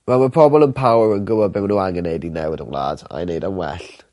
Fel ma' pobol yn power yn gwbod be' ma' n'w angen neud i newid y wlad a i neud yn well.